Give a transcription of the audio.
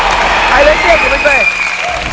hãy lấy tiền của mình về